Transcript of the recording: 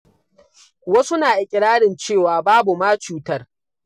Wasu na iƙirarin cewa babu ma cutar.